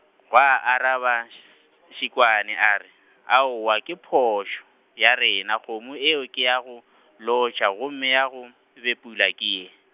gwa araba tsh- Šikwane a re, aowa ke phošo ya rena kgomo eo ke ya go , lotšha gomme ya go, bepula ke ye.